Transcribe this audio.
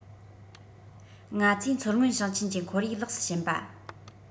ང ཚོས མཚོ སྔོན ཞིང ཆེན གྱི ཁོར ཡུག ལེགས སུ ཕྱིན པ